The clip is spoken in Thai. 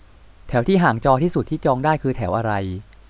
แถวที่ห่างจอที่สุดที่จองได้คือแถวอะไร